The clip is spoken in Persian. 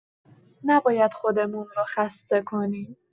نباید خودمون رو خسته کنیم.